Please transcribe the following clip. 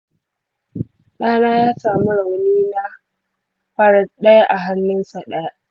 ɗana ya sami rauni na farat ɗaya a hannunsa ɗaya.